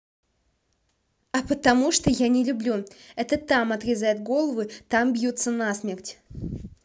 а потому что я не люблю это там отрезают головы там бьются на смерть